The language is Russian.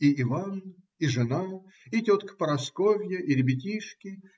и Иван, и жена, и тетка Парасковья, и ребятишки.